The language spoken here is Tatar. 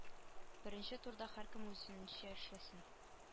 Беренче турда һәркем үзенчә эшләсен